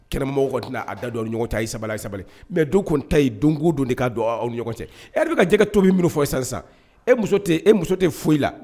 Kɛlɛmɔgɔ'a da ɲɔgɔn cɛ ye sabali sabali mɛ don kun ta ye don don de ɲɔgɔn cɛ bɛ ka jɛgɛ ka tobi min fɔ isa sa e muso e muso tɛ foyi la